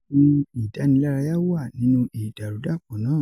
Ohun idanilaraya wa nínú Idarudapọ naa.